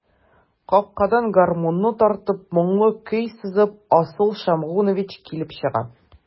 Капкадан, гармунын тартып, моңлы көй сызып, Асыл Шәмгунович килеп чыга.